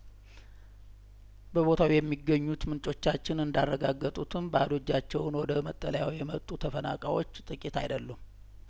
በቦታው የሚገኙት ምንጮቻችን እንዳረጋገጡትም ባዶ እጃቸውን ወደ መጠለያው የመጡ ተፈናቃዮች ጥቂት አይደሉም